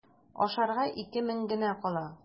Ашарга ике мең генә кала.